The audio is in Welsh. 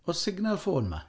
Oes signal ffôn 'ma?